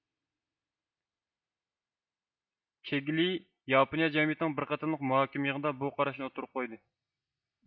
كىگلېي ياپونىيە جەمئىيىتىنىڭ بىر قېتىملىق مۇھاكىمە يىغىنىدا بۇ قاراشنى ئوتتۇرغا قويدى